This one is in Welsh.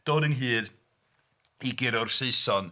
Dod ynghyd i guro'r Saeson.